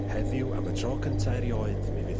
Heddiw am y tro cynta erioed mi fydd...